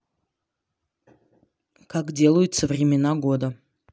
как делаются времена года